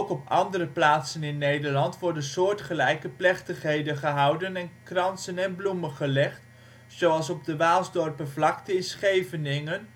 op andere plaatsen in Nederland worden plechtigheden gehouden en kransen en bloemen gelegd, zoals op de Waalsdorpervlakte